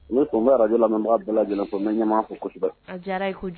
N b'i fo n bɛ radio lamɛnbaga bɛɛ lajɛlen fo kosobɛn, n bɛ ɲɛmaa fo, a diyala a ye kojugu.